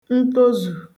ntozù